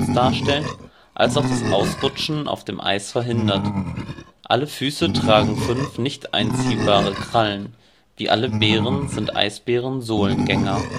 darstellt als auch das Ausrutschen auf dem Eis verhindert. Alle Füße tragen fünf nicht einziehbare Krallen, wie alle Bären sind Eisbären Sohlengänger